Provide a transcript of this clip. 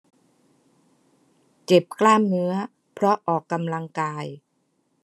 เจ็บกล้ามเนื้อเพราะออกกำลังกาย